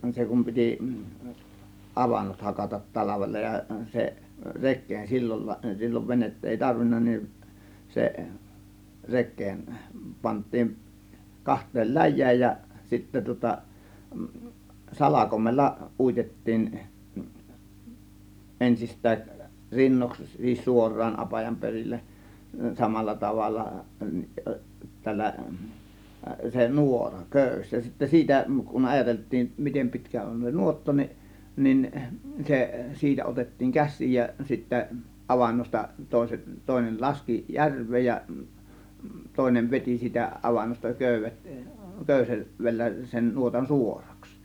se kun piti avannot hakata talvella ja se rekeen silloin silloin venettä ei tarvinnut niin se rekeen pantiin kahteen läjään ja sitten tuota salkoimella uitettiin ensistään rinnoiksi - suoraan apajan perille samalla tavalla tällä se nuora köysi ja sitten siitä kun ajateltiin miten pitkä on se nuotta niin niin se siitä otettiin käsiin ja sitten avannosta toiset toinen laski järveen ja toinen veti siitä avannosta köydet - köydellä sen nuotan suoraksi